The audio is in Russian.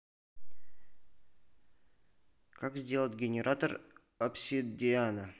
как сделать генератор обсидиана